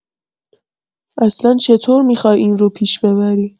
اصلا چه‌طور می‌خوای این رو پیش ببری؟